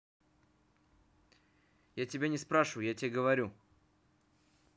я тебя не спрашиваю я тебе говорю